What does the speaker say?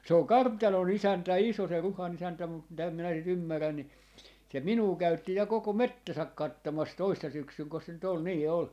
se on kartanon isäntä iso se Ruhan isäntä mutta mitä minä sitä ymmärrän niin se minua käytti ja koko metsänsä katsomassa toissa syksynäkö se nyt oli niin oli